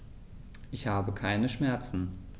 Ich habe keine Schmerzen.